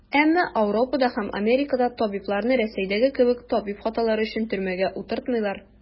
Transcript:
Әмма Ауропада һәм Америкада табибларны, Рәсәйдәге кебек, табиб хаталары өчен төрмәгә утыртмыйлар.